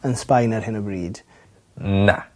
yn Sbaen ar hyn o bryd. Na.